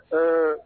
H